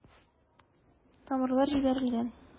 Тамырлар җибәрелгән.